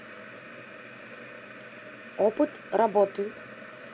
опыт работы